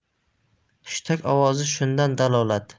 hushtak ovozi shundan dalolat